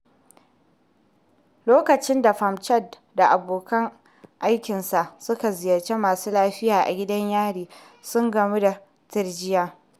Lokacin da Prem Chand da abokan aikinsa suka ziyarci masu laifin a gidan yari sun gamu da tirjiya: